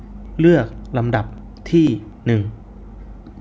เลือกลำดับที่หนึ่ง